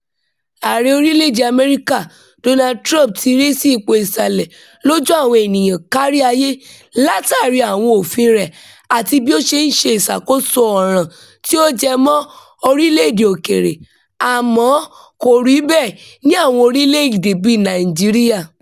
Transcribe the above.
Ààrẹ orílẹ̀-èdèe Amẹ́ríkà Donald Trump ti ré sí ipò ìsàlẹ̀ lójú àwọn ènìyàn kárí ayé látàrí àwọn òfin rẹ̀ àti bí ó ṣe ń ṣe ìṣàkóso ọ̀ràn tí ó jẹ mọ́ orílẹ̀-èdèe òkèèrè — àmọ́ kò rí bẹ́ẹ̀ ní àwọn orílẹ̀-èdè bíi Nàìjíríà.